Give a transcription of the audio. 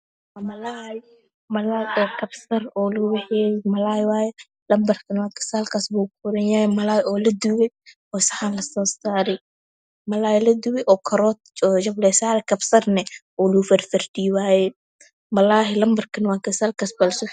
Waa malaay oo kabsar lugu waxeeyey maleey weeye lambarkana wakaas halkaas buu kuqoran yahay. waa malaay ladubay oo karooto kor laga saaray kabsarna oo korna lugu firfir dhiyey. Lambarkana waa kaas.